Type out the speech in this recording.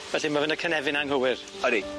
Felly ma' fe yn y cynefin anghywir. Odi.